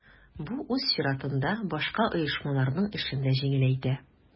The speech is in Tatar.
Бу үз чиратында башка оешмаларның эшен дә җиңеләйтә.